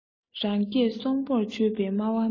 རང སྐད སྲོང པོར བརྗོད པའི སྨྲ བ མེད